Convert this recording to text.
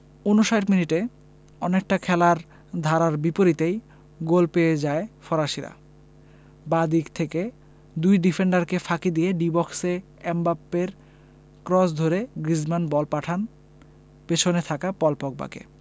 ৫৯ মিনিটে অনেকটা খেলার ধারার বিপরীতেই গোল পেয়ে যায় ফরাসিরা বাঁ দিক থেকে দুই ডিফেন্ডারকে ফাঁকি দিয়ে ডি বক্সে এমবাপ্পের ক্রস ধরে গ্রিজমান বল পাঠান পেছনে থাকা পল পগবাকে